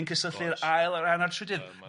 ...yn cysylltu'r ail rhan a'r trydydd